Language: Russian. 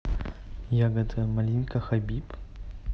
ягодка малинка хабиб